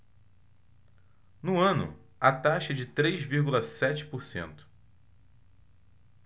no ano a taxa é de três vírgula sete por cento